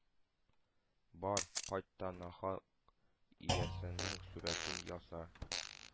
— бар, кайт та нахак иясенең сурәтен яса